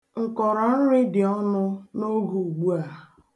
Nkọrọnri dị ọnụ n'oge ugbua.